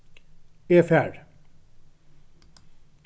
eg fari